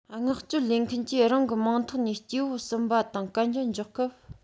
མངགས བཅོལ ལེན མཁན གྱིས རང གི མིང ཐོག ནས སྐྱེ བོ གསུམ པ དང གན རྒྱ འཇོག སྐབས